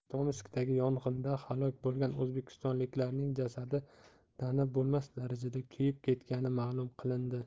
tomskdagi yong'inda halok bo'lgan o'zbekistonliklarning jasadi tanib bo'lmas darajada kuyib ketgani ma'lum qilindi